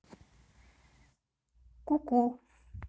ку ку